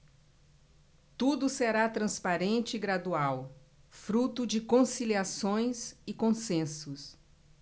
tudo será transparente e gradual fruto de conciliações e consensos